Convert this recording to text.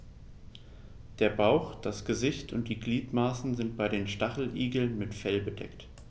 Der Bauch, das Gesicht und die Gliedmaßen sind bei den Stacheligeln mit Fell bedeckt.